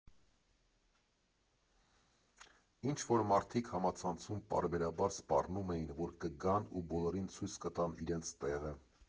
Ինչ֊որ մարդիկ համացանցում պարբերաբար սպառնում էին, որ կգան ու բոլորին ցույց կտան իրենց տեղը։